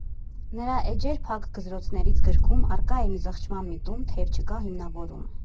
Նրա «Էջեր փակ գզրոցներից» գրքում առկա է մի զղջման միտում, թեև չկա հիմնավորում։